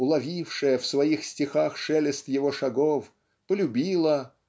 уловившая в своих стихах шелест его шагов полюбила